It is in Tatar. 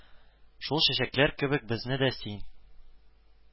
Шул чәчәкләр кебек безне дә син